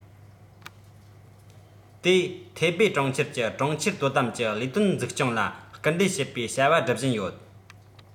དེའི ཐའེ པེ གྲོང ཁྱེར གྱི གྲོང ཁྱེར དོ དམ གྱི ལས དོན འཛུགས སྐྱོང ལ སྐུལ འདེད བྱེད པའི བྱ བ སྒྲུབ བཞིན ཡོད